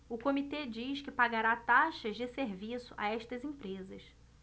o comitê diz que pagará taxas de serviço a estas empresas